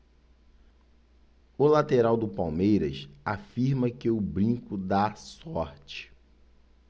o lateral do palmeiras afirma que o brinco dá sorte